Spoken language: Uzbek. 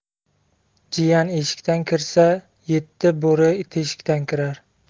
jiyan eshikdan kirsa yetti bo'ri teshikdan kirar